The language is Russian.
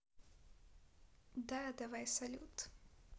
да давай салют